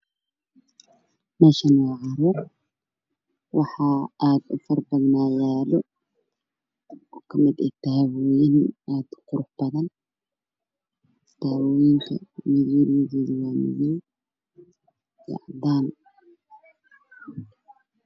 Meeshaani waa dukaan lagu gado alaabta waxaa lagu karsado kaledoodu waa madow